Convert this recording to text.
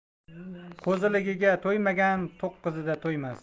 qo'ziligida to'ymagan to'qqizida to'ymas